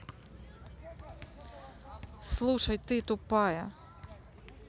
слушай ты тупая